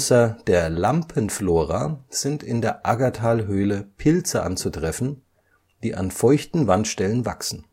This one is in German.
Außer der Lampenflora sind in der Aggertalhöhle Pilze anzutreffen, die an feuchten Wandstellen wachsen